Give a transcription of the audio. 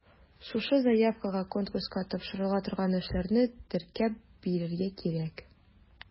Шушы заявкага конкурска тапшырыла торган эшләрне теркәп бирергә кирәк.